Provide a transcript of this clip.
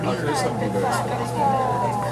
I 'llnau beth bach o'dd 'i 'di dychryn. O!